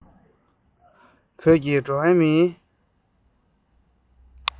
བོད ཀྱི འགྲོ བ མིའི